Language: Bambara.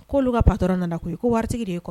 Ko'olu ka patɔ nana ko ko waritigi ye